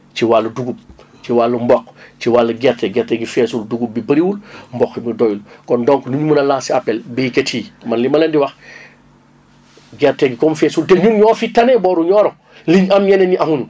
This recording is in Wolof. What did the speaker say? ci wàll dugub ci wàll mboq ci wàll gerte gerte gi feesul dugub bi bëriwul mboq bi doyul kon donc nuñ mën a lancer appel béykat yi man li ma leen di wax gerte gi comme feesul te ñun ñoo fi tane booru Nioro liñ am ñeneen ñi amuñu